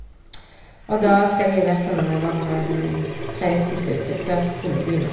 Og da skal jeg være sammen med barna de tre siste uker før skole begynne.